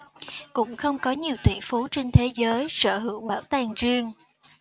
cũng không có nhiều tỷ phú trên thế giới sở hữu bảo tàng riêng